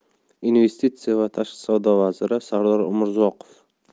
investitsiya va tashqi savdo vaziri sardor umurzoqov